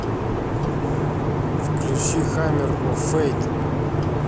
включи хаммер оф фейт